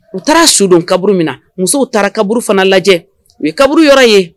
U taara su don kaburu minna musow taara kaburu fana lajɛ u ye kaburu yɔrɔ ye